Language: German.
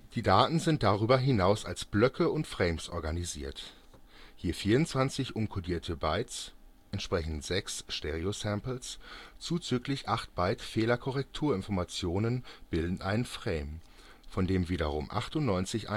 Die Daten sind darüber hinaus als Blöcke und Frames organisiert. Je 24 uncodierte Bytes (entsprechend 6 Stereo-Samples) zzgl. 8 Byte Fehlerkorrekturinformationen bilden einen Frame, von denen wiederum 98